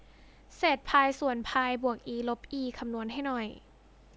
เศษพายส่วนพายบวกอีลบอีคำนวณให้หน่อย